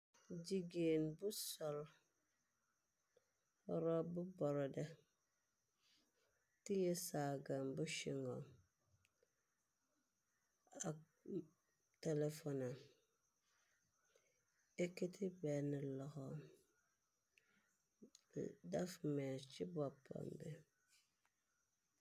Jigeen bu sol rop bu boro de, teiyi saggam bu chingo ak telefona , ekkiti benna laxo def mees ci boppam bi.